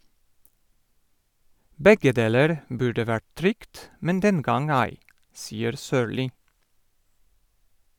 Begge deler burde vært trygt , men den gang ei, sier Sørli.